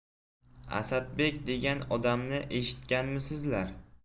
asadbek degan odamni eshitganmisizlar